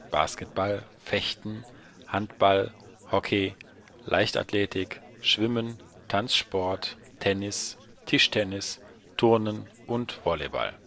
Basketball, Fechten, Handball, Hockey, Leichtathletik, Schwimmen, Tanzsport, Tennis, Tischtennis, Turnen und Volleyball